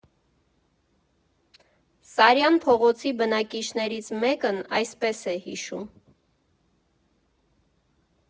Սարյան փողոցի բնակիչներից մեկն այսպես է հիշում.